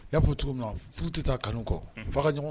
I'afu cogo min na futa tɛ taa kanu kɔ faga ka ɲɔgɔn